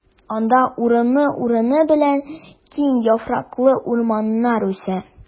Анда урыны-урыны белән киң яфраклы урманнар үсә.